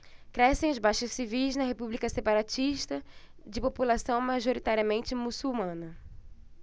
crescem as baixas civis na república separatista de população majoritariamente muçulmana